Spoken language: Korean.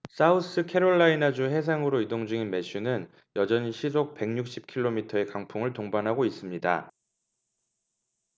사우스캐롤리아 주 해상으로 이동 중인 매슈는 여전히 시속 백 예순 킬로미터의 강풍을 동반하고 있습니다